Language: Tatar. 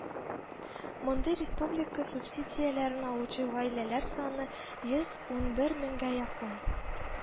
Мондый республика субсидияләрен алучы гаиләләр саны йөз унбер меңгә якын